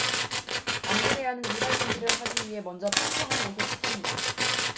안드레아는 일할 준비를 하기 위해 먼저 평평한 곳을 찾습니다